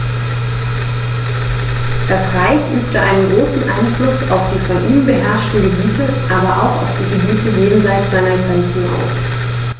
Das Reich übte einen großen Einfluss auf die von ihm beherrschten Gebiete, aber auch auf die Gebiete jenseits seiner Grenzen aus.